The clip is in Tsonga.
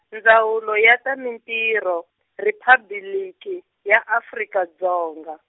Ndzawulo ya ta Mintirho, Riphabliki, ya Afrika Dzonga.